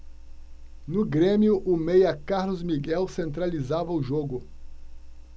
no grêmio o meia carlos miguel centralizava o jogo